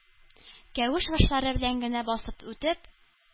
Кәвеш башлары белән генә басып үтеп,